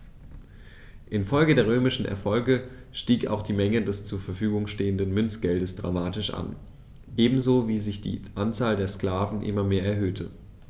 Infolge der römischen Erfolge stieg auch die Menge des zur Verfügung stehenden Münzgeldes dramatisch an, ebenso wie sich die Anzahl der Sklaven immer mehr erhöhte.